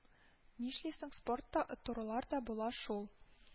Нишлисең, спортта оттырулар да була шул